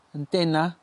yn dena'